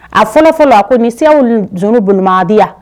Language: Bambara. A fɔlɔfɔlɔ ko